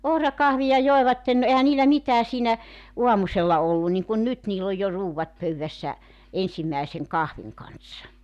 ohrakahvia joivat no eihän niillä mitään siinä aamusella ollut niin kuin nyt niillä on jo ruuat pöydässä ensimmäisen kahvin kanssa